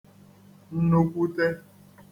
nnukwutē